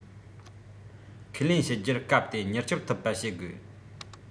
ཁས ལེན བྱེད རྒྱུར སྐབས དེའི མྱུར སྐྱོབ ཐུབ པ བྱེད དགོས